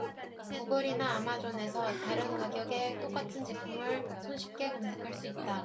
구글이나 아마존에서 다른 가격의 똑같은 제품을 손쉽게 검색할 수 있다